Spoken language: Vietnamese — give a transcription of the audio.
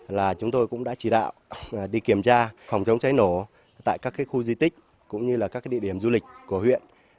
là chúng tôi cũng đã chỉ đạo và đi kiểm tra phòng chống cháy nổ tại các cái khu di tích cũng như là các cái địa điểm du lịch của huyện